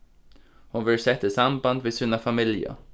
hon verður sett í samband við sína familju